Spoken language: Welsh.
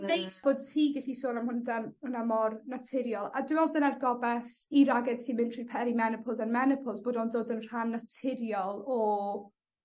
...neis bod ti gallu sôn am hwn dan hwnna mor naturiol. A dwi me'wl dyna'r gobeth i wragedd sy myn' trwy peri-menopos a'r menopos bod o'n dod yn rhan naturiol o